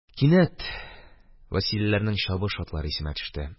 Кинәт Вәсиләләрнең чабыш атлары исемә төшә.